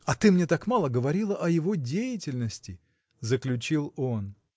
— А ты мне так мало говорила о его деятельности!. — заключил он.